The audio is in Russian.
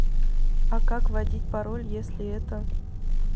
а как вводить пароль если это